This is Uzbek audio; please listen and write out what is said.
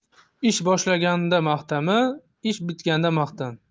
ish boshlaganda maqtanma ish bitganda maqtan